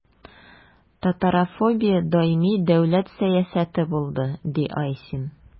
Татарофобия даими дәүләт сәясәте булды, – ди Айсин.